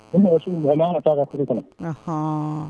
O mɔgɔ sugu mɔgɔ man ka taa a ka furu kɔnɔ, anhan